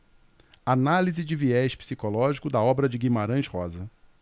análise de viés psicológico da obra de guimarães rosa